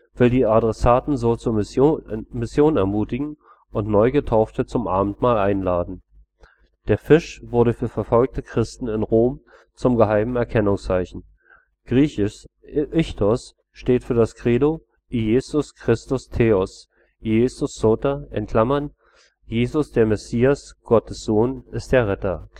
will die Adressaten so zur Mission ermutigen und neu Getaufte zum Abendmahl einladen. – Der Fisch wurde für verfolgte Christen in Rom zum geheimen Erkennungszeichen: griechisch Ichthys steht für das Credo Iesus Christus Theos ´Yios Soter („ Jesus, der Messias, Gottes Sohn, ist der Retter